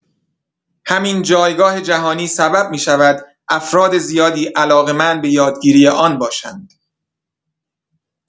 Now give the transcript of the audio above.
همین جایگاه جهانی سبب می‌شود افراد زیادی علاقه‌مند به یادگیری آن باشند.